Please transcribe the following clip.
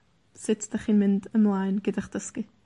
sut 'dych chi'n mynd ymlaen gyda'ch dysgu.